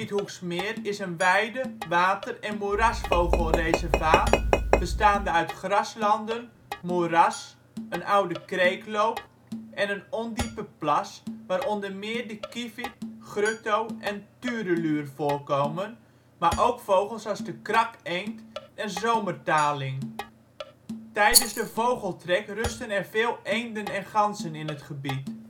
Hoeksmeer is een weide -, water - en moerasvogelreservaat, bestaande uit graslanden, moeras, een oude kreekloop en een ondiepe plas waar onder meer de kievit, grutto en tureluur voorkomen, maar ook vogels als de krakeend en zomertaling. Tijdens de vogeltrek rusten er veel eenden en ganzen in het gebied